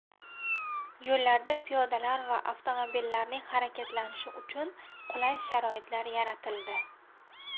yo'llarda piyodalar va avtomobillarning harakatlanishi uchun qulay sharoitlar yaratildi